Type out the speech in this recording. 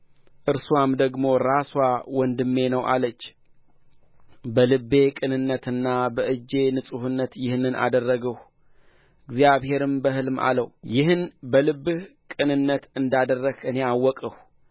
እርስዋም ደግሞ ራስዋ ወንድሜ ነው አለች በልቤ ቅንነትና በእጄ ንጹሕነት ይህንን አደረግሁ እግዚአብሔርም በሕልም አለው ይህን በልብህ ቅንነት እንዳደረግህ እኔ አወቅሁ